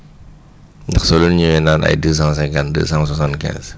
ndax soo leen ñëwee naan ay deux cent cinquante deux cent soixante quinze